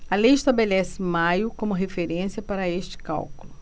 a lei estabelece maio como referência para este cálculo